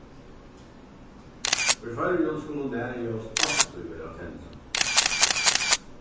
í føroyum skulu nærljós altíð vera tendrað